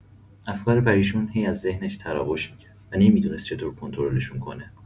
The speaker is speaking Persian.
افکار پریشون هی از ذهنش تراوش می‌کرد و نمی‌دونست چطور کنترلشون کنه.